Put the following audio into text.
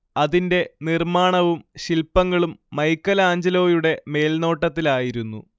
അതിന്റെ നിർമ്മാണവും ശില്പങ്ങളും മൈക്കെലാഞ്ചലോയുടെ മേൽനോട്ടത്തിലായിരുന്നു